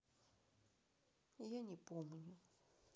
я не помню